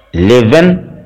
Leban